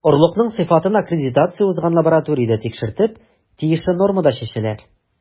Орлыкның сыйфатын аккредитация узган лабораториядә тикшертеп, тиешле нормада чәчәләр.